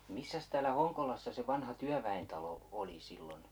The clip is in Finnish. missäs täällä Honkolassa se vanha työväentalo oli silloin